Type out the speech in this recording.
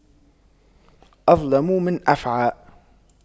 أظلم من أفعى